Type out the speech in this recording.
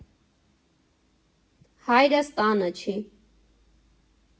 Հայրս տանը չի։